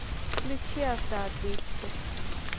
включи автоответчик